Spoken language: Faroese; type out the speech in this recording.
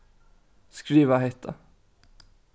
skriva hetta